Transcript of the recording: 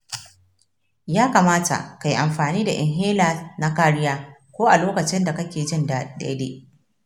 ya kamata kayi amfani da inhaler na kariya ko a lokacin da kake jin daidai.